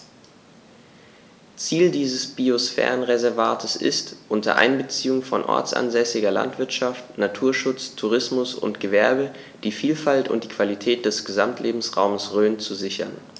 Ziel dieses Biosphärenreservates ist, unter Einbeziehung von ortsansässiger Landwirtschaft, Naturschutz, Tourismus und Gewerbe die Vielfalt und die Qualität des Gesamtlebensraumes Rhön zu sichern.